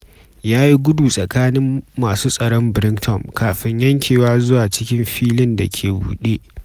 Ya yi gudu tsakanin masu tsaron Brighton, kafin yankewa zuwa cikin filin da ke buɗe.